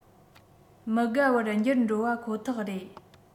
མི དགའ བར འགྱུར འགྲོ པ ཁོ ཐག རེད